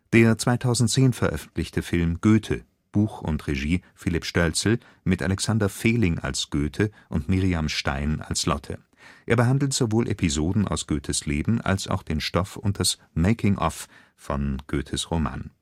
der 2010 veröffentlichte Film Goethe! (Buch und Regie: Philipp Stölzl), mit Alexander Fehling als Goethe und Miriam Stein als Lotte; er behandelt sowohl Episoden aus Goethes Leben als auch den Stoff und das „ Making Of “von Goethes Roman